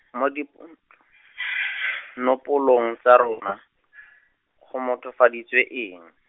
mo dinopolong tsa rona , go mothofaditswe eng?